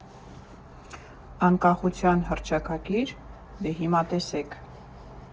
Անկախության հռչակագի՞ր, դե՛ հիմա տեսեք։